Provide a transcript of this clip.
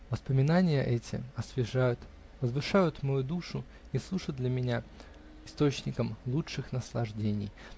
Воспоминания эти освежают, возвышают мою душу и служат для меня источником лучших наслаждений.